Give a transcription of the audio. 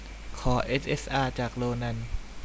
ขอเอสเอสอาจากโรนัน